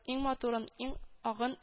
Иң матурын иң агын